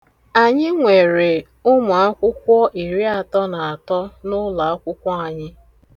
Anyị nwere ụmụakwụkwọ iriatọ na atọ n'ụlọakwụkwọ anyị.